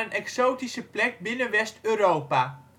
exotische plek binnen West-Europa